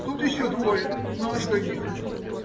- Тут еще двое, наш да ихний.